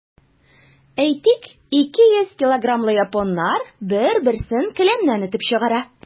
Әйтик, 200 килограммлы японнар бер-берен келәмнән этеп чыгара.